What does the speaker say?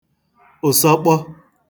ụ̀sọkpọ